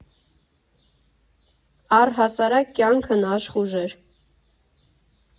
Առհասարակ կյանքն աշխույժ էր։